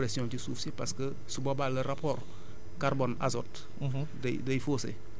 mën na créer li ñu naan dépression ci suuf si parce que su boobaa la rapport carbone azote